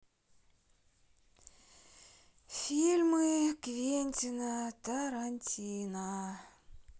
фильмы квентина тарантино